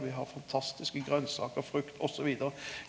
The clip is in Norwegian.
vi har fantastiske grønsaker, frukt og så vidare.